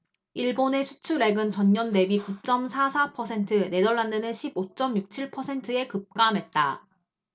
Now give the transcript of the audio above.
일본의 수출액은 전년대비 구 쩜 사 사 퍼센트 네덜란드는 십 오 쩜 육 칠 퍼센트 급감했다